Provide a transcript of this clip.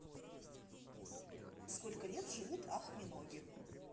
сколько лет живут ах миноги